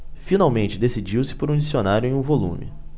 finalmente decidiu-se por um dicionário em um volume